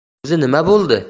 o'zi nima bo'ldi